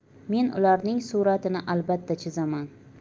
men ularning suratini albatta chizaman